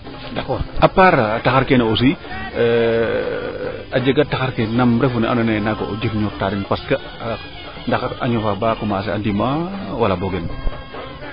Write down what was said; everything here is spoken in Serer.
d' accord a part taxar keene aussi a jega taxr ke nam refu ne ando naye naaga o jirndoor ta den parce que taxar a ñofa ba commencer a ndima wala bogen